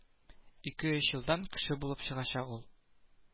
Ике-өч елдан кеше булып чыгачак ул